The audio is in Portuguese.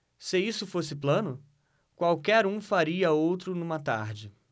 se isso fosse plano qualquer um faria outro numa tarde